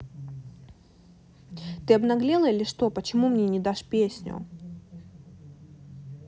ты обнаглела или что почему мне не дашь песню